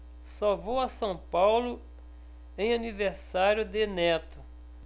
só vou a são paulo em aniversário de neto